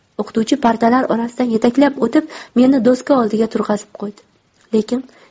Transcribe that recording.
o'qituvchi partalar orasidan yetaklab o'tib meni doska oldiga turg'azib qo'ydi